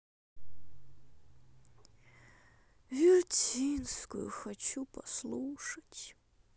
вертинскую хочу послушать